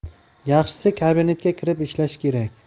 yaxshisi kabinetga kirib ishlash kerak